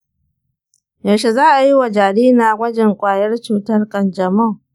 yaushe za a yi wa jaririna gwajin ƙwayar cutar kanjamau?